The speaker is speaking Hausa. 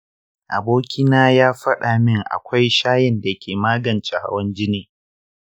aboki na ya faɗa min akwai shayin dake magance hawan jini